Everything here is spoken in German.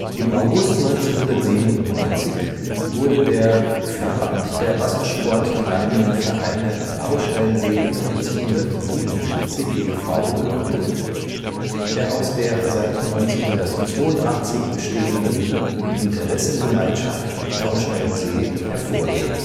Im August 1997 wurde der Verband der wassersporttreibenden Vereine Blausteinsee 1997 e. V. gegründet, der aus der seit 1982 bestehenden Interessengemeinschaft Blausteinsee hervorging